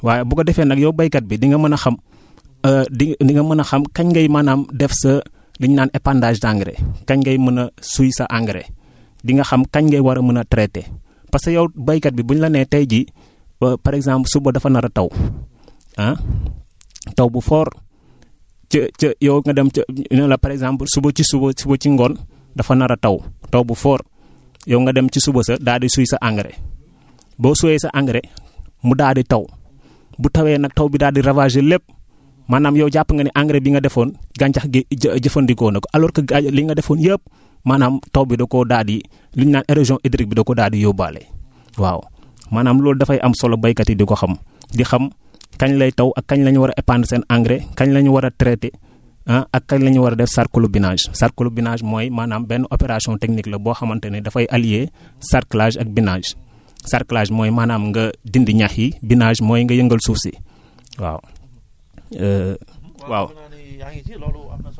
wala dina ngelaw ngelaw lu métti waaye bu ko defee nag yow baykat bi di nga mën a xam di di nga mën a xam kañ ngay maanaam def sa li ñu naan épandage d' engrais kañ ngay mën a suy sa engrais di nga xam kañ ngay war a mën a traiter parce :fa que yow baykat bi buñ la nee tay jii par exemple suba adafa nar a taw ah taw bu fort ca ca yow nga dem ca ñu ne la par exemple suba ci suba suba ci ngoon dafa nar a taw taw bu fort yow nga dem ci suba sa daal di suy sa engrais boo suyee sa engrais mu daal di taw bu tawee nag taw bi daal di ravager lépp maanaam yow jàpp nga ne engrais :frabi nga defoon gàncax gi jë jëfandikoo na ko alors que ga li nga defoon yépp maanaam taw bi da koo daal di lu ñu naan érosion hydrique bi da koo daal di yóbbaale waaw maanaam loolu dafay am solo baykat yi di ko xam di xam kañ lay taw ak kañ la ñu war a épandre seen engrais kañ la ñu war a traiter ah ak kañ la ñu war a def sarclobinage sarclobinage mooy maanaam benn opération technique la boo xamante ne dafay allier sarclage ak binage sarclage mooy maanaam nga dindi ñax yi binage mooy nga yëngal suuf si waaw